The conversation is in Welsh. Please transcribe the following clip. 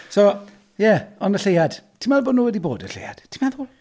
So, ie, ond y Lleuad. Ti'n meddwl bo' nhw 'di bod i'r Lleiad? Ti'n meddwl?